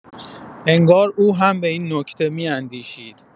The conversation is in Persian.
انگار او هم به این نکته می‌اندیشید.